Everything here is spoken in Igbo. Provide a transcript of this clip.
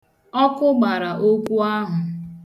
Ọkụ gbara ogwu ahụ.